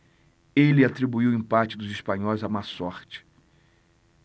ele atribuiu o empate dos espanhóis à má sorte